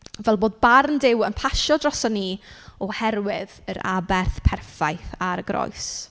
Fel bod barn Duw yn paso droson ni oherwydd yr aberth perffaith ar y groes.